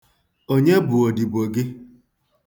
Onye bụ odibo gị?